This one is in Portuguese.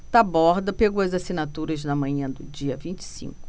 taborda pegou as assinaturas na manhã do dia vinte e cinco